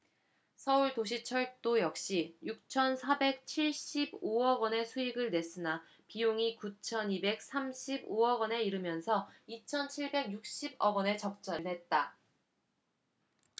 서울도시철도 역시 육천 사백 칠십 오 억원의 수익을 냈으나 비용이 구천 이백 삼십 오 억원에 이르면서 이천 칠백 육십 억원의 적자를 냈다